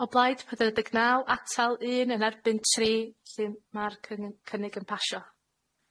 O blaid, pedwar deg naw. Atal, un. Yn erbyn, tri. Lly ma'r cynny- cynnig yn pasio.